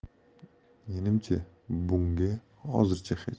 menimcha bunga hozircha hech